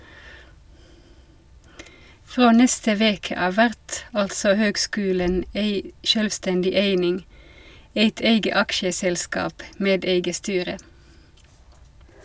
Frå neste veke av vert altså høgskulen ei sjølvstendig eining, eit eige aksjeselskap med eige styre.